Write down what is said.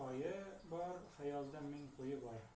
bor xayolida ming qo'yi bor